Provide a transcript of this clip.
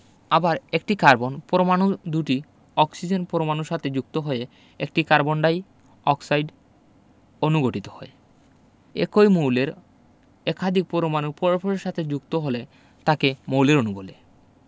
আবার একটি কার্বন পরমাণু দুটি অক্সিজেন পরমাণুর সাথে যুক্ত হয়ে একটি কার্বন ডাইঅক্সাইড অণু গঠিত হয় একই মৌলের একাধিক পরমাণু পরস্পরের সাথে যুক্ত হলে তাকে মৌলের অণু বলে